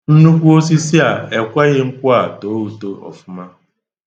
Nnnukwu osisi a ekweghị nkwụ a too uto ọfụma.